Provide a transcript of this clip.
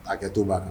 A hakɛ to ban